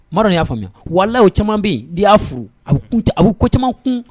Dɔ y'a faamuya wala o caman bɛ yen y'a furu a a bɛ ko caman kun